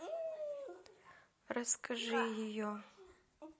расскажи ее